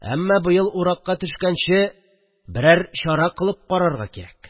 Әммә быел уракка төшкәнче берәр чара кылып карарга кирәк